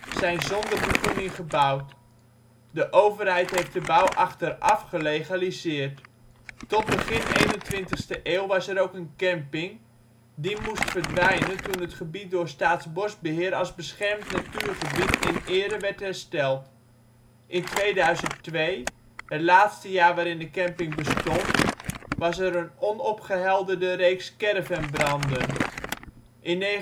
zijn zonder vergunning gebouwd. De overheid heeft de bouw achteraf gelegaliseerd. Tot begin 21e eeuw was er ook een camping, die moest verdwijnen toen het gebied door Staatsbosbeheer als beschermd natuurgebied in ere werd hersteld. In 2002, het laatste jaar waarin de camping bestond, was er een onopgehelderde reeks caravanbranden. In 1980